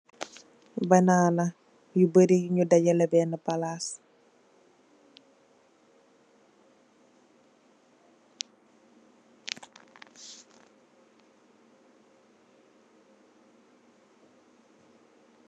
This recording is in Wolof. Banana yu beuri, yu nyu dagale ben palaas.